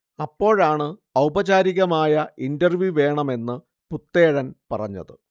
അപ്പോഴാണ് ഔപചാരികമായ ഇന്റർവ്യൂ വേണം എന്ന് പുത്തേഴൻ പറഞ്ഞത്